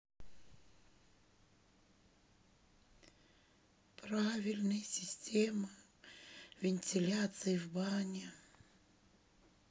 правильная система вентиляции в бане